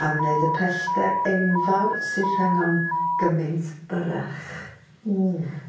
am wneud y pellter enfawr sy rhyngom gymint byrrach. Hmm.